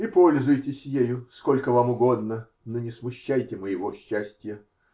-- И пользуйтесь ею, сколько вам угодно, но не смущайте моего счастья.